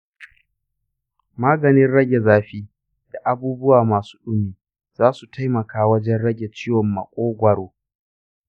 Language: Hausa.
maganin rage zafi da abubuwa masu ɗumi za su taimaka wajen rage ciwon maƙogwaro.